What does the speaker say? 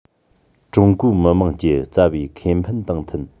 ཀྲུང གོའི མི དམངས ཀྱི རྩ བའི ཁེ ཕན དང མཐུན